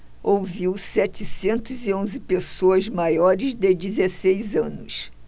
ouviu setecentos e onze pessoas maiores de dezesseis anos